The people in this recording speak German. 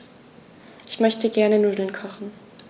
Ich möchte gerne Nudeln kochen.